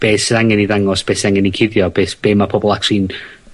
be' sydd angen 'i ddangos be' sy angen 'i cuddio beth be' mae pobol acsiwlu'n